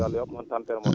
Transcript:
Allah yo? mon tampere mon